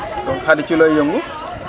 donc Khady ci looy yëngu